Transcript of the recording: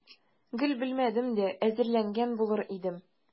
Гел белмәдем дә, әзерләнгән булыр идем.